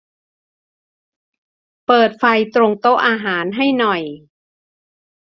เปิดไฟตรงโต๊ะอาหารให้หน่อย